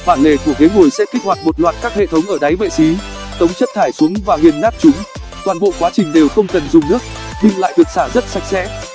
bản lề của ghế ngồi sẽ kích hoạt một loạt các hệ thống ở đáy bệ xí tống chất thải xuống và nghiền nát chúng toàn bộ quá trình đều không cần dùng nước nhưng lại được xả rất sạch sẽ